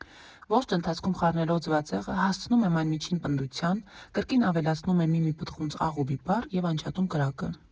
Ողջ ընթացքում խառնելով ձվածեղը՝ հասցնում եմ այն միջին պնդության, կրկին ավելացնում եմ մի֊մի պտղունց աղ ու բիբար և անջատում կրակը։